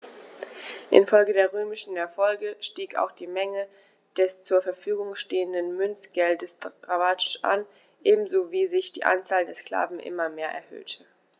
Infolge der römischen Erfolge stieg auch die Menge des zur Verfügung stehenden Münzgeldes dramatisch an, ebenso wie sich die Anzahl der Sklaven immer mehr erhöhte.